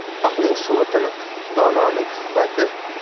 buloqning suvi tiniq dononing suhbati